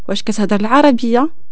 واش كتهضر العربية